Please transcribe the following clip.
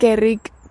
gerrig